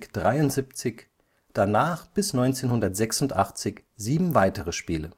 73, danach bis 1986 sieben weitere Spiele